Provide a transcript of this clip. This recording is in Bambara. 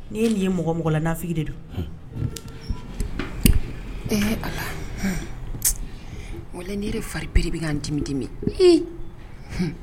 N ye nin ye mɔgɔ mɔgɔla nafi de don a n yɛrɛ fari bereri bɛ' dimi dimi